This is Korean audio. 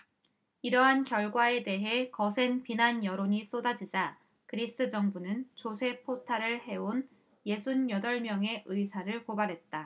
이러한 결과에 대해 거센 비난 여론이 쏟아지자 그리스 정부는 조세 포탈을 해온 예순 여덟 명의 의사를 고발했다